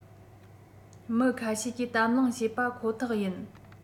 མི ཁ ཤས ཀྱིས གཏམ གླེང བྱེད པ ཁོ ཐག ཡིན